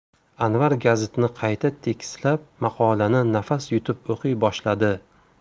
anvar gazitni qayta tekislab maqolani nafas yutib o'qiy boshladi